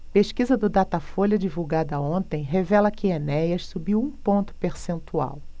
pesquisa do datafolha divulgada ontem revela que enéas subiu um ponto percentual